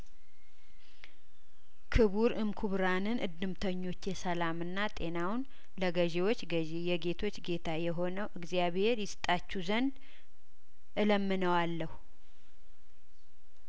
ክቡርእም ክቡራንን እድምተኞቼ ሰላምና ጤናውን ለገዢዎች ገዢ የጌቶች ጌታ የሆነው እግዚአብሄር ይስጣችሁ ዘንድ እለምነዋለሁ